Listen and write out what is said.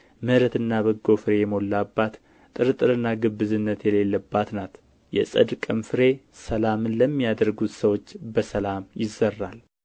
ምሕረትና በጎ ፍሬ የሞላባት ጥርጥርና ግብዝነት የሌለባት ናት የጽድቅም ፍሬ ሰላምን ለሚያደርጉት ሰዎች በሰላም ይዘራል